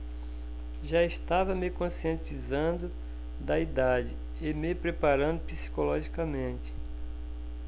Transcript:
já estava me conscientizando da idade e me preparando psicologicamente